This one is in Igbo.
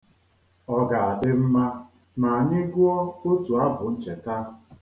Ọ ga-adị mma ma anyị gụọ otu abụ ncheta.